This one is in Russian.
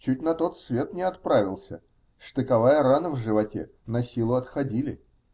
Чуть на тот свет не отправился, штыковая рана в животе, насилу отходили.